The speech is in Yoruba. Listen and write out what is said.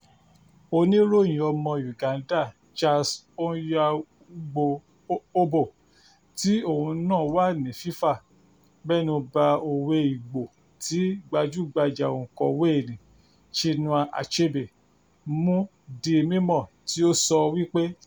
Oníròyìn ọmọ Uganda Charles Onyango-Obbo, tí òun náà wà ní FIFA, mẹ́nu ba òwe Igbo tí gbajúgbajà òǹkọ̀wée nì Chinua Achebe mú di mímọ́ tí ó sọ wípé: